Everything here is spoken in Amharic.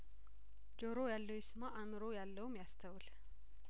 ጆሮ ያለው ይስማ አእምሮ ያለውም ያስተውል